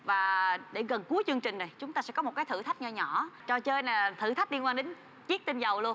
và đến gần cuối chương trình này chúng ta sẽ có một cái thử thách nho nhỏ trò chơi này là thử thách liên quan đến chiếc tinh dầu luôn